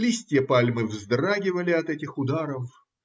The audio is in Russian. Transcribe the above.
Листья пальмы вздрагивали от этих ударов.